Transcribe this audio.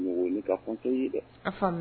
Ye wele ka fɔ tɛ ye dɛ